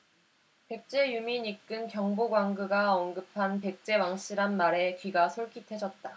백제 유민 이끈 경복왕그가 언급한 백제왕씨란 말에 귀가 솔깃해졌다